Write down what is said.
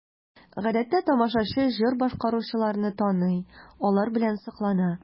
Гадәттә тамашачы җыр башкаручыларны таный, алар белән соклана.